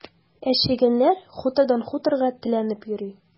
Ә чегәннәр хутордан хуторга теләнеп йөри.